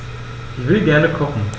Ich will gerne kochen.